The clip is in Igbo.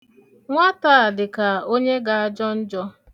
Nwata a dị ka onye ga-ajọ njọ.